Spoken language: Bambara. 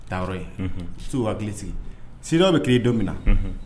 Taa yɔrɔ ye. U t'u hakili sigi CEDEAO bɛ créer don min na. Unhun